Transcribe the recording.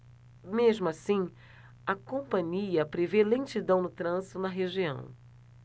mesmo assim a companhia prevê lentidão no trânsito na região